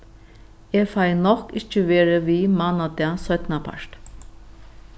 eg fái nokk ikki verið við mánadag seinnapart